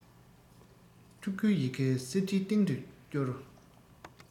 ཕྲུ གུའི ཡི གེ གསེར ཁྲིའི སྟེང དུ སྐྱོལ